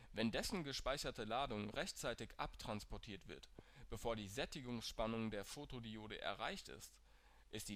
Wenn dessen gespeicherte Ladung rechtzeitig abtransportiert wird, bevor die Sättigungsspannung der Photodiode erreicht ist